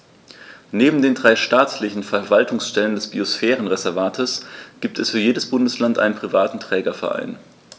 Neben den drei staatlichen Verwaltungsstellen des Biosphärenreservates gibt es für jedes Bundesland einen privaten Trägerverein.